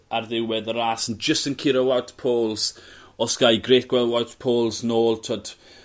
ar ddiwedd y ras yn jyst yn curo Wout Poels o Sky grêt gweld Wout Poels nôl t'wod